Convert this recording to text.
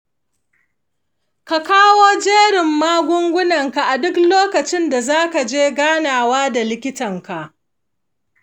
ka kawo jerin magungunan ka a duk lokacin da za ka je ganawa da likita.